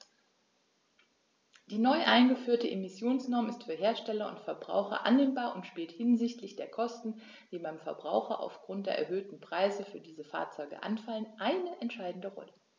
Die neu eingeführte Emissionsnorm ist für Hersteller und Verbraucher annehmbar und spielt hinsichtlich der Kosten, die beim Verbraucher aufgrund der erhöhten Preise für diese Fahrzeuge anfallen, eine entscheidende Rolle.